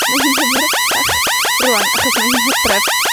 Mae hi'n hyfrytach, rŵan, achos mae hi'n Hydref.